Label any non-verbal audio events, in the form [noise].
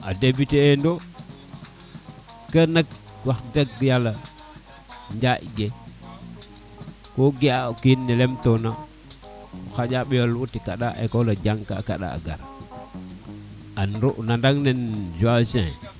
[music] a debuter endo kon nak wax deg yala njaƴ ke ko ga a o kiin ne lem tona xaƴa ɓiyo lewo te kaɗa ecole a jang ka a kaɗa gara an o nanan ne Zancier